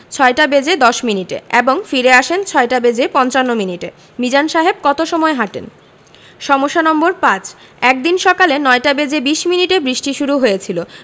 ৬টা বেজে ১০ মিনিটে এবং ফিরে আসেন ৬টা বেজে পঞ্চান্ন মিনিটে মিজান সাহেব কত সময় হাঁটেন সমস্যা নম্বর ৫ একদিন সকালে ৯টা বেজে ২০ মিনিটে বৃষ্টি শুরু হয়েছিল